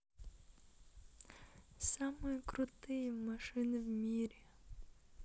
самые крутые машины в мире